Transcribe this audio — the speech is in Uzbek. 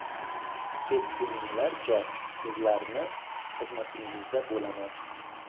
ketguninglarcha sizlarning xizmatingizda bo'laman